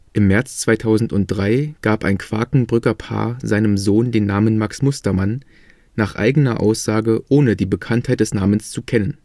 Im März 2003 gab ein Quakenbrücker Paar seinem Sohn den Namen Max Mustermann, nach eigener Aussage ohne die Bekanntheit des Namens zu kennen